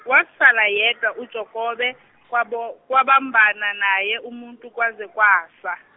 wasala yedwa uJakobe, kwabo, kwabambana naye umuntu kwaze kwasa.